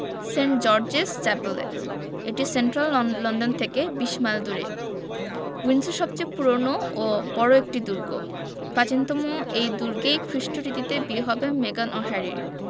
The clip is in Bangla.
সেন্ট জর্জেস চ্যাপেলে এটি সেন্ট্রাল লন্ডন থেকে ২০ মাইল দূরে উইন্ডসর সবচেয়ে পুরোনো ও বড় একটি দুর্গ প্রাচীনতম এই দুর্গেই খ্রিষ্টীয় রীতিতে বিয়ে হবে মেগান ও হ্যারির